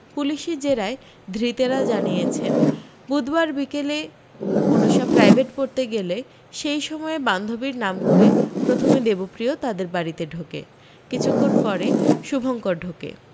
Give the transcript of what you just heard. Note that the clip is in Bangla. পুলিশি জেরায় ধৃতেরা জানিয়েছেন বুধবার বিকেলে অনুষা প্রাইভেট পড়তে গেলে সেই সময়ে বান্ধবীর নাম করে প্রথমে দেবপ্রিয় তাঁদের বাড়ীতে ঢোকে কিছুক্ষণ পরে শুভঙ্কর ঢোকে